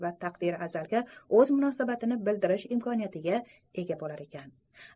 va taqdiri azalga o'z munosabatini bildirish imkoniyatiga ega bo'lar ekan